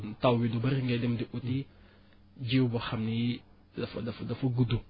taw bi du bëri ngay dem di uti jiwu boo xam ni dafa dafa gudd